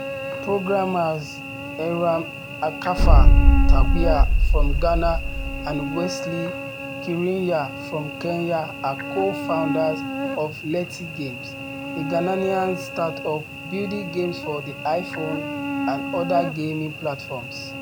Programmers, Eyram Akorfa Tawiah from Ghana and Wesley Kirinya from Kenya are co-founders of Leti Games, a Ghanaian start-up building games for the iPhone and other gaming platforms.